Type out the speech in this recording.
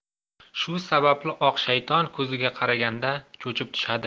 shu sababli oq shayton ko'ziga qaraganda chuchib tushadi